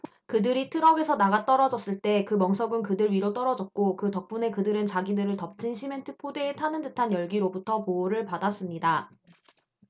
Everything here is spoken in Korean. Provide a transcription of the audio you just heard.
그들이 트럭에서 나가떨어졌을 때 그 멍석은 그들 위로 떨어졌고 그 덕분에 그들은 자기들을 덮친 시멘트 포대의 타는 듯한 열기로부터 보호를 받았습니다